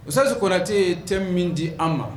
U selensi kotɛ tɛ min di an ma